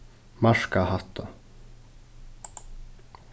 marka hatta